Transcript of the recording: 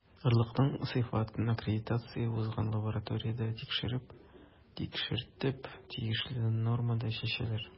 Орлыкның сыйфатын аккредитация узган лабораториядә тикшертеп, тиешле нормада чәчәләр.